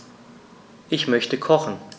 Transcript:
Ich möchte kochen.